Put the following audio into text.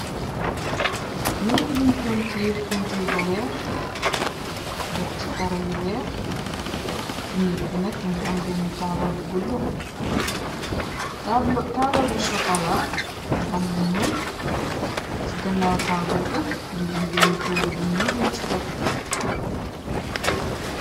Neeg buñ painturr painturr bu weex def ci karo yu weex ci neeg bi nak mongi am bena taabal bu guda taabal bu cxocola mu am lu ñuul ci gannaaw taabal bi mongi am bena togu bu ñuul buñg ci tekk.